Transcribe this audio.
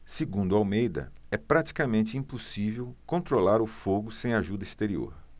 segundo almeida é praticamente impossível controlar o fogo sem ajuda exterior